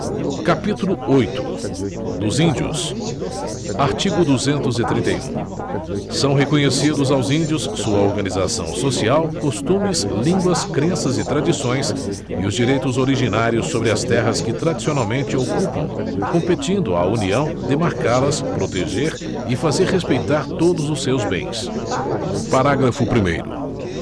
capítulo oito dos índios artigo duzentos e trinta e um são reconhecidos aos índios sua organização social costumes línguas crenças e tradições e os direitos originários sobre as terras que tradicionalmente ocupam competindo à união demarcá las proteger e fazer respeitar todos os seus bens parágrafo primeiro